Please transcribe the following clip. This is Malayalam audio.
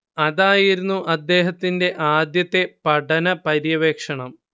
അതായിരുന്നു അദ്ദേഹത്തിന്റെ ആദ്യത്തെ പഠന പര്യവേക്ഷണം